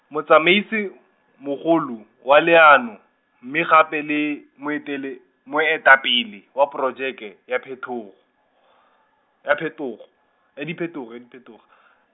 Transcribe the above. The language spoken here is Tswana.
motsamaisi , mogolo, wa leano, mme gape le, moetele- moetapele, wa porojeke, ya phetogo , ya phetogo, e diphetogo e diphetog- .